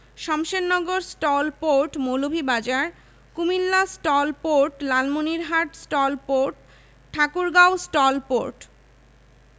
Shamshernagar STOL port Moulvibazar Comilla STOL port Lalmonirhat STOL port Thakurgaon STOL port